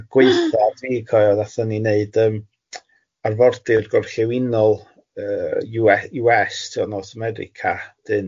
Y gwaethad fi cofia oedd aethon ni wneud yym arfordir gorllewinol yy You Ess You Ess tua North America wedyn.